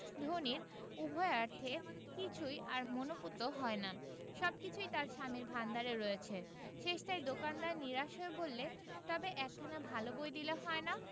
ধনীর উভয়ার্থে কিছুই আর মনঃপূত হয় না সবকিছুই তার স্বামীর ভাণ্ডারে রয়েছে শেষটায় দোকানদার নিরাশ হয়ে বললে তবে একখানা ভাল বই দিলে হয় না